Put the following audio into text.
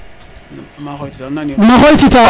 ma xooy tita